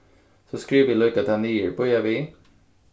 so skrivi eg líka tað niður bíða við